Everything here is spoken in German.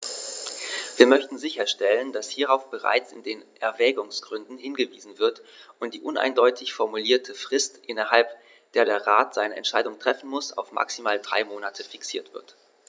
Wir möchten sicherstellen, dass hierauf bereits in den Erwägungsgründen hingewiesen wird und die uneindeutig formulierte Frist, innerhalb der der Rat eine Entscheidung treffen muss, auf maximal drei Monate fixiert wird.